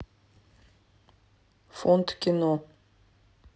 фонд кино